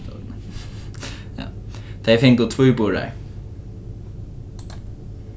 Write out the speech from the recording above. tey fingu tvíburar